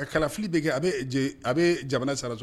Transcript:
A kalafili bɛ kɛ a bɛ , a bɛjamana